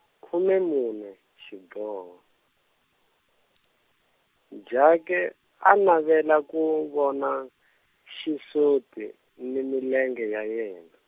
khume mune, xiboho, Jake a navela ku vona, xisuti ni milenge ya yena.